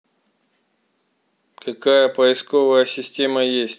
какая поисковая система есть